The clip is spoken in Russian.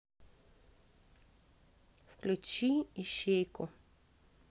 включи ищейку